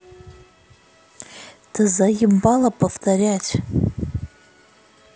ты заебала повторять